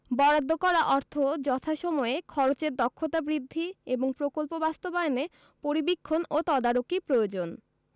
বরাদ্দ করা অর্থ যথাসময়ে খরচের দক্ষতা বৃদ্ধি এবং প্রকল্প বাস্তবায়নে পরিবীক্ষণ ও তদারকি প্রয়োজন